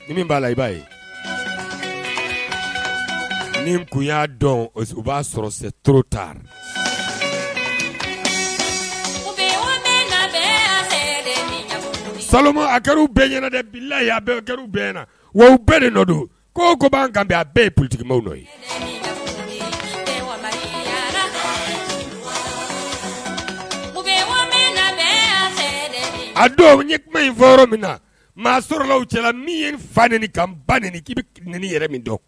Ni b'a la i'a ye ni y'a dɔn u b'a sɔrɔ ta sa gari bɛɛ ɲɛna layi bɛɛ na bɛɛ don ko'a a bɛɛ ye ptigibaw nɔ ye a ye kuma in min na maa sɔrɔ cɛlala min ye n fa nin ka ba nin k'i bɛ ni yɛrɛ min dɔn